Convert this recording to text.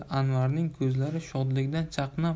anvarning ko'zlari shodlikdan chaqnar